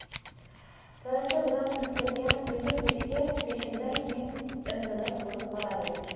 tarasha bilan isitilgan temir pechka peshindan keyin ilimiliq bo'lib qolar edi